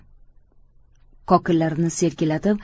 kokillarini selkillatib